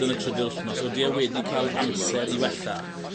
yn y trydydd wthnos odi e wedi ca'l amser i wella.